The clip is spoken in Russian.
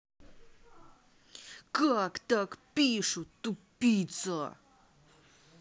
как так пишут тупица